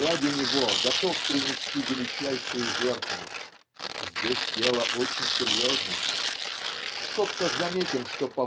ради него готов принести величайшую жертву Здесь дело очень серьезно В скобках заметим что